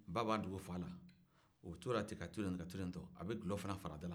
ba b'a dogo fa la a bɛ t'o ten to ka to ten ka to ten a bɛ dulo fana fara a da la